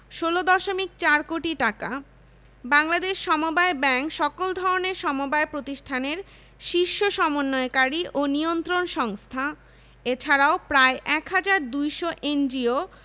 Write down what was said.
১৬দশমিক ৪ কোটি টাকা বাংলাদেশ সমবায় ব্যাংক সকল ধরনের সমবায় প্রতিষ্ঠানের শীর্ষ সমন্বয়কারী ও নিয়ন্ত্রণ সংস্থা এছাড়াও প্রায় ১ হাজার ২০০ এনজিও